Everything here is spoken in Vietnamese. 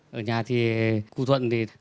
ở nhà thì cu thuận thì